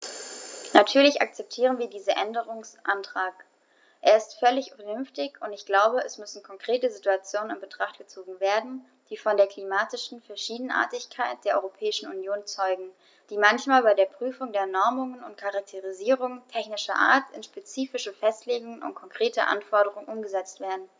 Natürlich akzeptieren wir diesen Änderungsantrag, er ist völlig vernünftig, und ich glaube, es müssen konkrete Situationen in Betracht gezogen werden, die von der klimatischen Verschiedenartigkeit der Europäischen Union zeugen, die manchmal bei der Prüfung der Normungen und Charakterisierungen technischer Art in spezifische Festlegungen und konkrete Anforderungen umgesetzt werden.